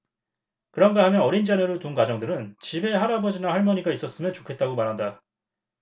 그런가 하면 어린 자녀를 둔 가정들은 집에 할아버지나 할머니가 있었으면 좋겠다고 말한다